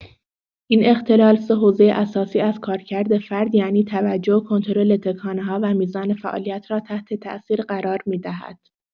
این اختلال سه حوزه اساسی از کارکرد فرد یعنی توجه، کنترل تکانه‌ها و میزان فعالیت را تحت‌تأثیر قرار می‌دهد.